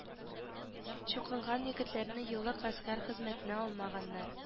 Чукынган егетләрне еллык гаскәр хезмәтенә алмаганнар